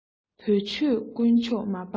བོད ཆོས དཀོན མཆོག མ སྤངས